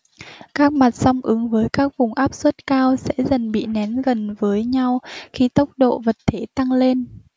các mặt sóng ứng với các vùng áp suất cao sẽ dần bị nén gần với nhau khi tốc độ vật thể tăng lên